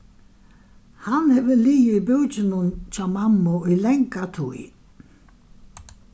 hann hevur ligið í búkinum hjá mammu í langa tíð